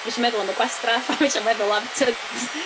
Ma' isio meddwl am y gwastraff, mae isio meddwl am... tibod!